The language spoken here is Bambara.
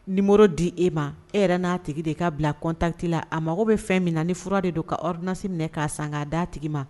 Numéro di e ma e yɛrɛ na tigi de ka bila contacte la . A mago bi fɛn min na ni fura de don ka ordonnance minɛ ka san ka da tigi ma.